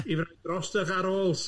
i fynd dros eich arôls.